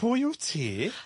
pwy wt ti?